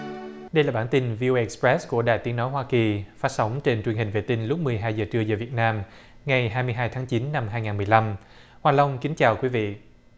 đây là bản tin vi ô ây ích pét của đài tiếng nói hoa kỳ phát sóng trên truyền hình vệ tinh lúc mười hai giờ trưa giờ việt nam ngày hai mươi hai tháng chín năm hai ngàn mười lăm hoa long kính chào quý vị